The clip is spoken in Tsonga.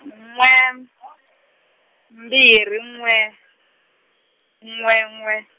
n'we , mbirhi n'we, n'we n'we.